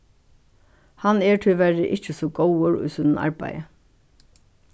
hann er tíverri ikki so góður í sínum arbeiði